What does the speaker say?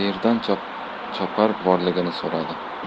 qaerdan chopar borligini so'radi